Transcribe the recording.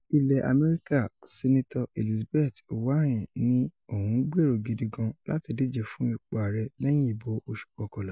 ilẹ̀ Amẹ́ríkà Sínátọ̀ Elizabeth Wareen ní òun “gbèrò gidi gan-an láti díje fún ipò ààrẹ” lẹ́yìn ibò oṣù kọkànlá.